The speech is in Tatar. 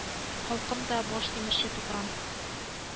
Холкымда баш тимерче тукран